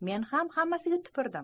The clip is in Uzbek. men ham hammasiga tupurdim